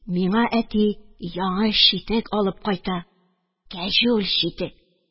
Миңа әти яңы читек алып кайта, кәҗүл читек